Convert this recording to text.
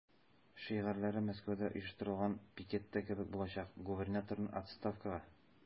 Шигарьләре Мәскәүдә оештырылган пикетта кебек булачак: "Губернаторны– отставкага!"